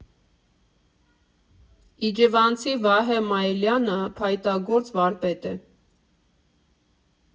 Իջևանցի Վահե Մայիլյանը փայտագործ վարպետ է։